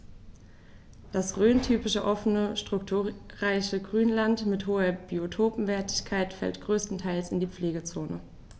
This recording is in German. Das rhöntypische offene, strukturreiche Grünland mit hoher Biotopwertigkeit fällt größtenteils in die Pflegezone.